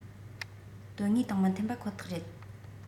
དོན དངོས དང མི མཐུན པ ཁོ ཐག རེད